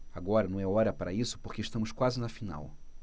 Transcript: agora não é hora para isso porque estamos quase na final